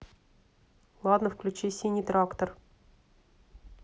ладно включи синий трактор